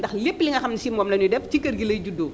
ndax lépp li nga xam ne si moom la énuy def ci kër gi lay juddoo